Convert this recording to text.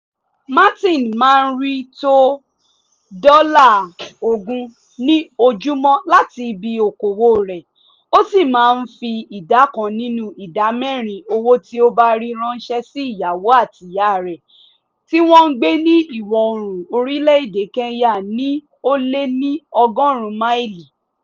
Martin máa ń rí to US$20 ní ojúmọ́ láti ibi okoòwò rẹ̀ ó sì máa ń fi ìdá kan nínú ìdá mẹ́rin owó tí ó bá rí ránṣẹ́ sí ìyàwó àti ìyá rẹ̀, tí wọ́n ń gbé ní Ìwọ̀ Oòrùn Orílẹ̀ èdè Kenya, ní o lé ní 100 máìlì.